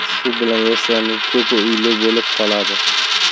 shu bilan yoshlarning ko'pi uyli bo'lib qoladi